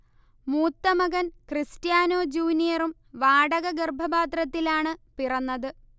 മൂത്ത മകൻ ക്രിസ്റ്റ്യാനൊ ജൂനിയറും വാടക ഗർഭപാത്രത്തിലാണ് പിറന്നത്